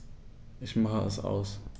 Ich mache es aus.